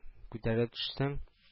Күтәрә төшсәң